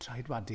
Traedwadyn.